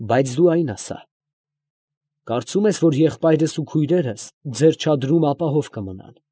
Բայց դու այն ասա՛, կարծում ե՞ս, որ եղբայրս և քույրերս ձեր չադրում ապահով կմնան։